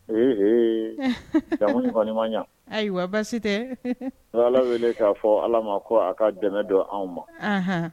Ee jamumu kɔnima ɲɛ ayiwa baasi tɛ ne ala wele k'a fɔ ala ma ko a ka dɛmɛ don anw ma